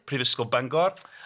Prifysgol Bangor.